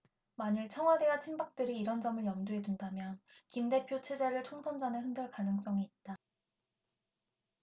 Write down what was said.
만일 청와대와 친박들이 이런 점을 염두에 둔다면 김 대표 체제를 총선 전에 흔들 가능성이 있다